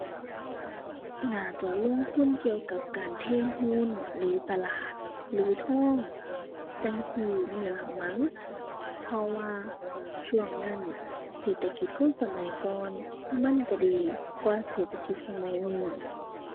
น่าจะลงทุนเกี่ยวกับการเทรดหุ้นหรือตลาดหรือทองจั่งซี้นี่ล่ะมั้งเพราะว่าช่วงนั้นเศรษฐกิจคนสมัยก่อนมันก็ดีกว่าเศรษฐกิจสมัยนี้